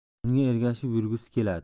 unga ergashib yugurgisi keladi